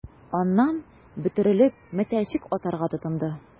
Аннан, бөтерелеп, мәтәлчек атарга тотынды...